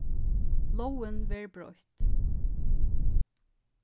lógin verður broytt